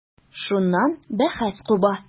Шуннан бәхәс куба.